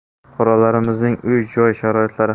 fuqarolarimizning uy joy sharoitlari